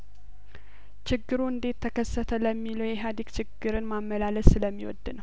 ችግሩ እንዴት ተከሰተ ለሚለው ኢህአዴግ ችግርን ማመላለስ ስለሚ ወድ ነው